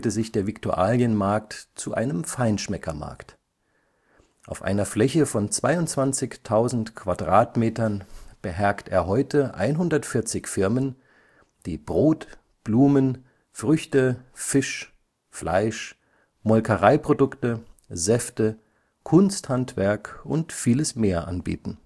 sich der Viktualienmarkt zu einem Feinschmeckermarkt. Auf einer Fläche von 22.000 Quadratmetern beherbergt er heute 140 Firmen, die Brot, Blumen, Früchte, Fisch, Fleisch, Molkereiprodukte, Säfte, Kunsthandwerk und vieles mehr anbieten